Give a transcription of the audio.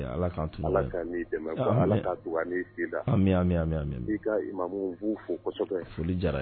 Ala k'an to ala dɛmɛ ala k' to amimimi mamu b'u fosɔ foli jara ye